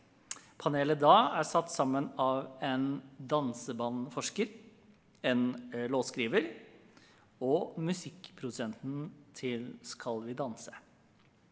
panelet da er satt sammen av en dansebandforsker, en låtskriver og musikkprodusenten til Skal Vi Danse.